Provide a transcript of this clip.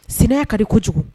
Sɛnɛ ka di kojugu.